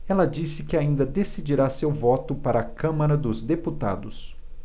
ela disse que ainda decidirá seu voto para a câmara dos deputados